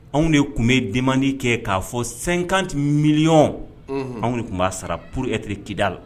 Anw de tun bɛ dendi kɛ k'a fɔ sankan miliy anw de tun b'a sara puretire kida la